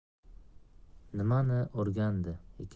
nimani o'rgandi ekan